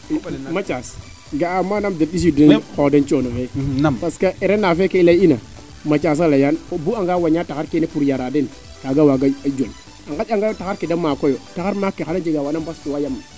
Mathiase ga'a maanam den mbisuqoox den coono fee parce que RNA fee kee i ley ina Mathias a leyaan o bug anga wañ taxar keene pour yaraden kaaga waaga jeg a ngaƴ anga taxar ke de maakoyo taxar maak ke xana njegaa waana mbastuwa yaam